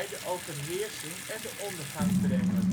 de overheersing en de ondergang brengen